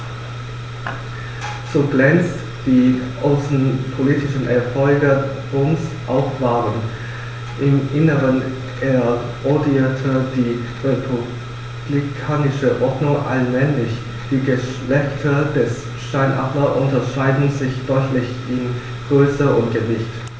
So glänzend die außenpolitischen Erfolge Roms auch waren: Im Inneren erodierte die republikanische Ordnung allmählich. Die Geschlechter des Steinadlers unterscheiden sich deutlich in Größe und Gewicht.